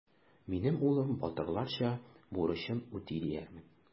Минем улым батырларча бурычын үти диярмен.